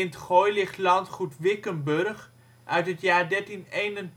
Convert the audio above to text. t Goy ligt landgoed Wickenburgh uit het jaar 1381